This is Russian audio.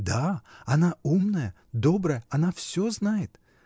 — Да. Она умная, добрая, она всё знает.